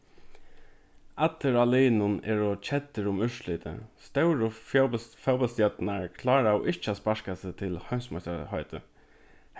allir á liðnum eru keddir um úrslitið stóru fótbóltsstjørnurnar kláraðu ikki at sparka seg til heimsmeistaraheitið